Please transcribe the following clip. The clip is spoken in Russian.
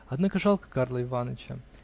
-- Однако жалко Карла Иваныча.